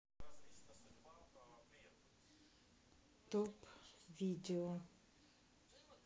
топ видео